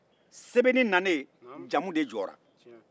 sɛbɛnni nalen jamu de jɔra